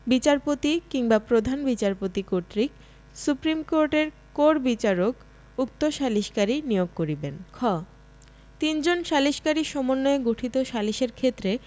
বিচারপতি বিংবা প্রধান বিচারপতি কর্তৃক সুপ্রীম কোর্টের কোর বিচারক উক্ত সালিসকারী নিয়োগ করিবেন খ তিনজন সালিসকারী সমন্বয়ে গঠিত সালিসের ক্ষেত্রে